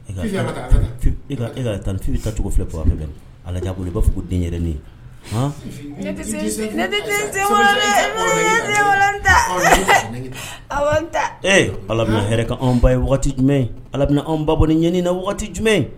E e ka taa fi tacogo filɛ pa fɛ ala bolo i b'a fɔ' den yɛrɛ nin h ta alamina hɛrɛ anw ba ye jumɛn alaan ba bɔ ni ɲɛani na jumɛn